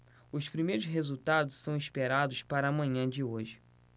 os primeiros resultados são esperados para a manhã de hoje